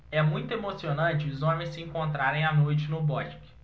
é muito emocionante os homens se encontrarem à noite no bosque